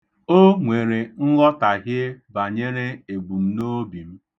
O nwere nghọtahie banyere ebumnoobi m.